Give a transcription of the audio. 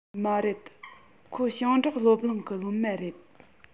མ རེད ཁོ ཞིང འབྲོག སློབ གླིང གི སློབ མ རེད